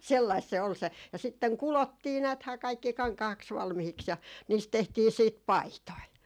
sellaista se oli se ja sitten kudottiin näethän kaikki kankaaksi valmiiksi ja niistä tehtiin sitten paitoja